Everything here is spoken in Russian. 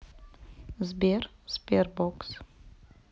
сбер sberbox